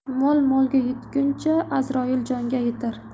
mol molga yetguncha azroil jonga yetar